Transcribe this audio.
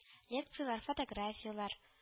Лекциялар фотографиялар